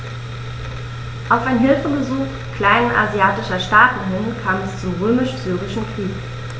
Auf ein Hilfegesuch kleinasiatischer Staaten hin kam es zum Römisch-Syrischen Krieg.